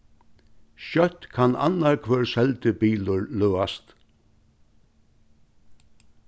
skjótt kann annar hvør seldi bilur løðast